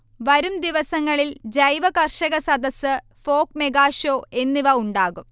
വരുംദിവസങ്ങളിൽ ജൈവകർഷകസദസ്സ്, folk mega show എന്നിവ ഉണ്ടാകും